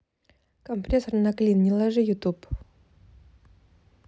компрессор на клин не ложи ютуб